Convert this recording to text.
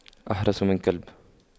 أحرس من كلب